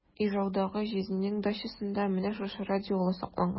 Ижаудагы җизнинең дачасында менә шушы радиола сакланган.